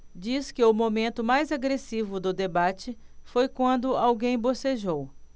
diz que o momento mais agressivo do debate foi quando alguém bocejou